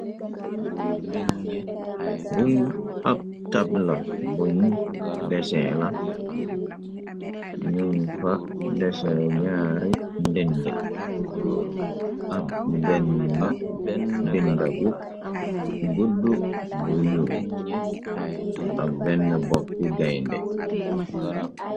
wi ab tabla buñ dese la ñuñ fa dese ñaari ndinde ab benn bindabu gudd bu njuul ab benn boppu gaynde